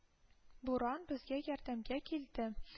Буран безгә ярдәмгә килде